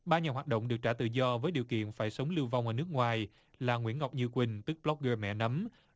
ba nhà hoạt động được trả tự do với điều kiện phải sống lưu vong ở nước ngoài là nguyễn ngọc như quỳnh tức bờ lóc gơ mẹ nấm